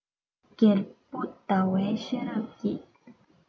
རྒྱལ བུ ཟླ བའི ཤེས རབ ཀྱིས